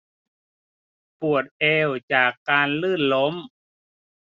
ปวดเอวจากการลื่นล้ม